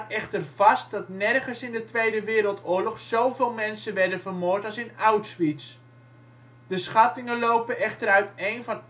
echter vast dat nergens in de Tweede Wereldoorlog zoveel mensen werden vermoord als in Auschwitz. De schattingen lopen echter uiteen van